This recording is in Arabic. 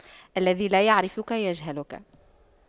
الذي لا يعرفك يجهلك